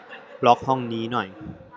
ล็อคห้องนี้หน่อย